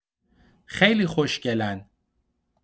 خیلی خوشگلن!